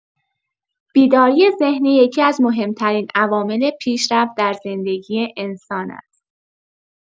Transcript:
بیداری ذهنی یکی‌از مهم‌ترین عوامل پیشرفت در زندگی انسان است.